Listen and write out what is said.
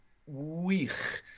wych